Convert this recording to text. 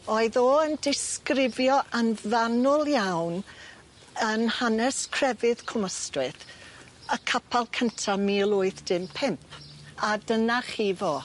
Oedd o yn disgrifio yn fanwl iawn yn hanes crefydd Cwm Ystwyth y capal cynta mil wyth dim pump a dyna chi fo.